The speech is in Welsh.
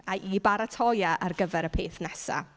A i baratoi e ar gyfer y peth nesa.